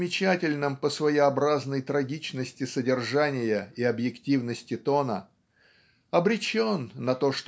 замечательном по своеобразной трагичности содержания и объективности тона обречен на то